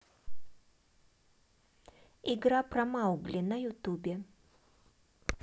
игра про маугли на ютубе